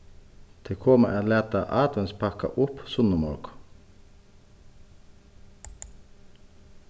tey koma at lata adventspakka upp sunnumorgun